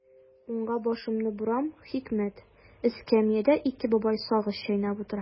Уңга башымны борам– хикмәт: эскәмиядә ике бабай сагыз чәйнәп утыра.